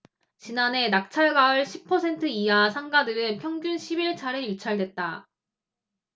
지난해 낙찰가율 십 퍼센트 이하 상가들은 평균 십 일 차례 유찰됐다